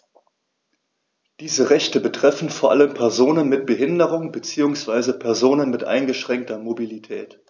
Diese Rechte betreffen vor allem Personen mit Behinderung beziehungsweise Personen mit eingeschränkter Mobilität.